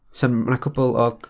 'Sa'm, ma' 'na cwpwl o